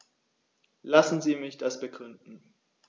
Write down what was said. Lassen Sie mich das begründen.